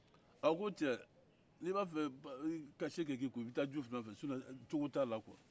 a ko cɛ ne b'a fɛ eee kase ka kɛ e kun i bɛ taa jufu nɔfɛ sinɔn cogo t'a la quoi